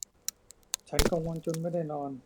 ฉันกังวลจนไม่ได้นอน